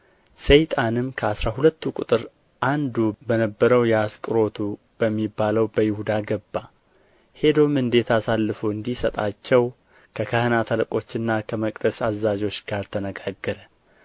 ሰይጣንም ከአሥራ ሁለቱ ቍጥር አንዱ በነበረው የአስቆሮቱ በሚባለው በይሁዳ ገባ ሄዶም እንዴት አሳልፎ እንዲሰጣቸው ከካህናት አለቆችና ከመቅደስ አዛዦች ጋር ተነጋገረ